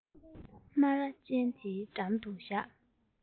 སྨ ར ཅན དེའི འགྲམ དུ བཞག